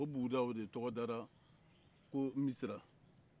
o buguda o de tɔgɔ dara ko misira